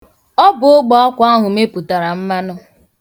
Ọ bụ ogbeakwụ ahụ mepụtara mmanụ.